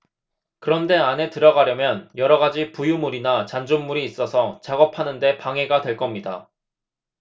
그런데 안에 들어가려면 여러 가지 부유물이나 잔존물이 있어서 작업하는 데 방해가 될 겁니다